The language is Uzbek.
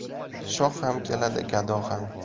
shoh ham keladi gado ham